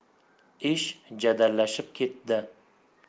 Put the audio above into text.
ish jadallashib ketdi